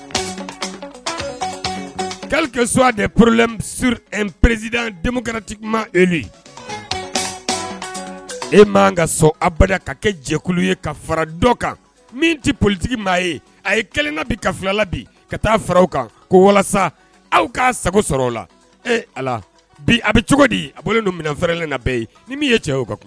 S poro perezti e ka so a ba ka kɛ jɛkulu ye ka fara dɔ kan min tɛ politigi maa ye a kelen bi ka bi ka taa fara kan ko walasa aw k sago sɔrɔ o la e bi a bɛ cogo di a don minɛn fɛrɛɛrɛlen na bɛɛ ye ye cɛ o ka